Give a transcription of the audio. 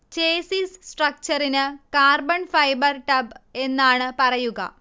chassis സ്ട്രക്ചറിന് carbon fibre tub എന്നാണ് പറയുക